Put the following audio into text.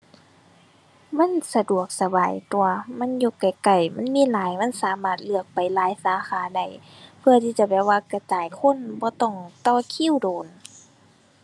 มันสะดวกสบายตั่ว มันอยู่ใกล้ใกล้มันมีหลาย มันสามารถเลือกไปหลายสาขาได้ เพื่อที่จะแบบว่ากระจายคนบ่ต้องต่อคิวโดน